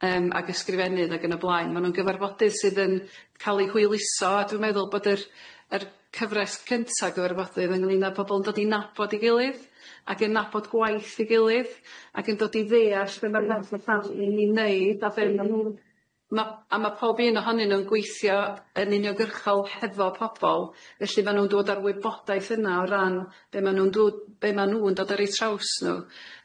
yym ag ysgrifennydd ag yn y blaen ma' nhw'n gyfarfodydd sydd yn ca'l eu hwyluso a dwi'n meddwl bod yr yr cyfres cynta o gyfarfodydd ynglŷn â pobol yn dod i nabod ei gilydd ag yn nabod gwaith ei gilydd ag yn dod i ddeall be' ma'r naill a'r llall yn 'i neud a be ma' nhw, a ma' pob un ohonyn nhw'n gweithio yn uniongyrchol hefo pobol felly ma' nhw'n dod a'r wybodaeth yna o ran be' ma' nhw'n dw- be' ma' nhw'n dod ar eu traws nhw,